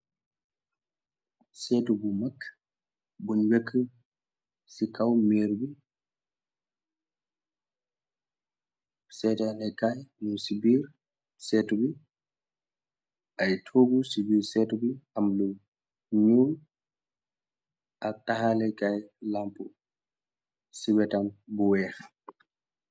seetu bu mag buñ wekk ci kaw méir bi seetalekaay mu ci biir seetu bi ay tóogu ci biir seetu bi am lu ñu ak taxalekaay lamp ci wetam bu weex